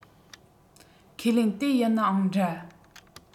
ཁས ལེན དེ ཡིན ནའང འདྲ